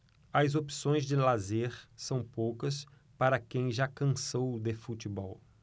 as opções de lazer são poucas para quem já cansou de futebol